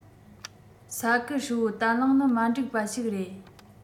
ས ཁུལ ཧྲིལ པོའི བརྟན ལྷིང ནི མ འགྲིག པ ཞིག རེད